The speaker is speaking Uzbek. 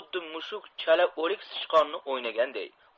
xuddi mushuk chala o'lik sichqonni o'ynaganday